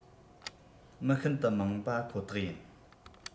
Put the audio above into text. མི ཤིན ཏུ མང པ ཁོ ཐག ཡིན